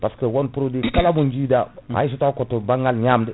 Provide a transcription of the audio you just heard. par ce que won produit kala mo biɗa hayso taw ko to banggal ñamde